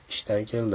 ishdan keldim